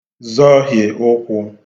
zọhiè ụkwụ̄